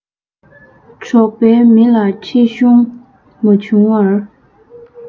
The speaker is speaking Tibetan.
འགྲོགས པའི མི ལ ཁྲེལ གཞུང མ ཆུང བར